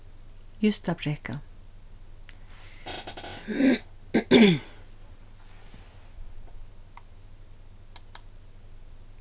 jústabrekka